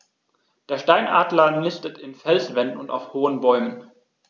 Der Steinadler nistet in Felswänden und auf hohen Bäumen.